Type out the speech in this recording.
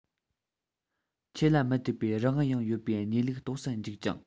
ཆོས ལ མི དད པའི རང དབང ཡང ཡོད པའི གནས ལུགས རྟོགས སུ འཇུག ཅིང